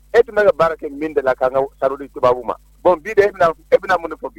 E tɛna ka baara kɛ min de la' ka tu ma bon bi e bɛna mun fɔ bi